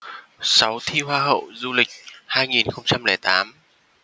sáu thi hoa hậu du lịch hai nghìn không trăm lẻ tám